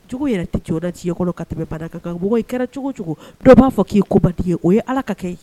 Cogo yɛrɛ tɛ cɛwda ci kɔnɔ ka tɛmɛbada kanmɔgɔ i kɛra cogo cogo dɔ b'a fɔ k'i kobatigi ye o ye ala ka kɛ